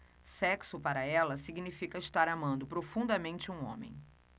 sexo para ela significa estar amando profundamente um homem